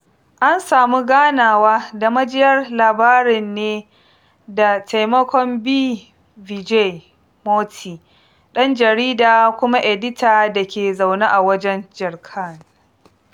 An samu ganawa da majiyar labarin ne da taimakon B. vijay Murty, ɗan jarida kuma edita da ke zaune a wajen Jharkhand.